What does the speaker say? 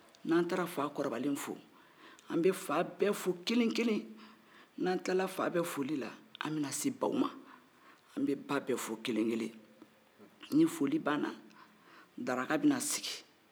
n'an taara fakɔrɔbalen fo an bɛ fa bɛ fo kelen kelen n'an kilala fa bɛɛ foli la an bɛna se baw ma an bɛ ba bɛɛ fo kelen keklen ni foli banna daraka bɛna sigi